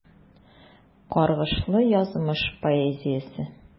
Каргышлы язмыш поэзиясе.